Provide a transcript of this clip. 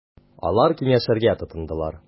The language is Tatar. Алар киңәшергә тотындылар.